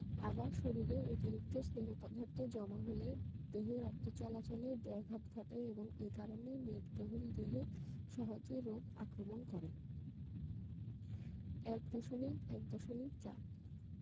আবার শরীরে অতিরিক্ত স্নেহ পদার্থ জমা হলে দেহে রক্ত চলাচলে ব্যাঘাত ঘটে এবং এ কারণে মেদবহুল দেহে সহজে রোগ আক্রমণ করে ১.১.৪